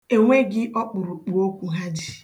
E nweghị ọkpụrụkpụ okwu ha ji.